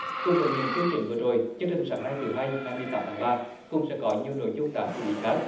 cùng với những tin chính vừa rồi chương trình sáng nay từ hai ngày mười tám tháng ba cũng sẽ có nhiều nội dung đáng chú ý khác